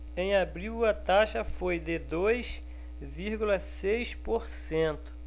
em abril a taxa foi de dois vírgula seis por cento